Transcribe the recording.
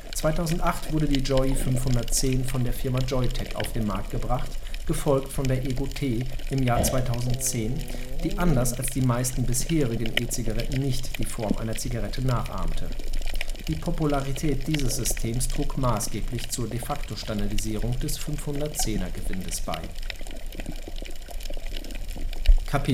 2008 wurde die „ Joye 510 “von der Firma Joyetech auf den Markt gebracht, gefolgt von der „ Ego-T “2010, die anders als die meisten bisherigen E-Zigaretten nicht die Form einer Zigarette nachahmte. Die Popularität dieses Systems trug maßgeblich zur De-facto-Standardisierung des 510er-Gewindes